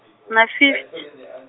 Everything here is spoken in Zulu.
ngina- Fifty.